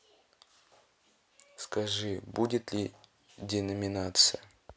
скажи будет ли деноминация